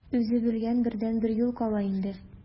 Үзе белгән бердәнбер юл кала инде.